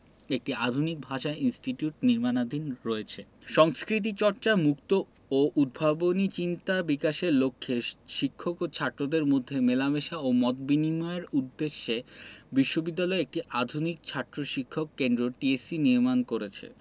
একটি আধুনিক ভাষা ইনস্টিটিউট নির্মাণাধীন রয়েছে সংস্কৃতিচর্চা মুক্ত ও উদ্ভাবনী চিন্তার বিকাশের লক্ষ্যে শিক্ষক ও ছাত্রদের মধ্যে মেলামেশা ও মত বিনিময়ের উদ্দেশ্যে বিশ্ববিদ্যালয় একটি আধুনিক ছাত্র শিক্ষক কেন্দ্র টিএসসি নির্মাণ করেছে